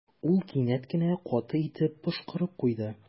Ул кинәт кенә каты итеп пошкырып куйды.